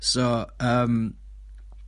so yym...